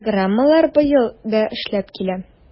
Программалар быел да эшләп килә.